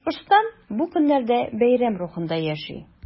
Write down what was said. Башкортстан бу көннәрдә бәйрәм рухында яши.